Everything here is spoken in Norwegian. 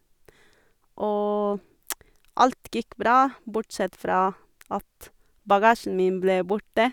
Og alt gikk bra, bortsett fra at bagasjen min ble borte.